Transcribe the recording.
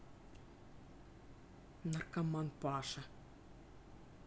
наркоман паша